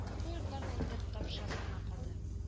Уку йортларына илтеп тапшырасы гына калды